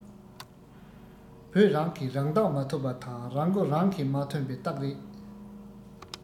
བོད རང གིས རང བདག མ ཐུབ པ དང རང མགོ རང གིས མ ཐོན པའི རྟགས རེད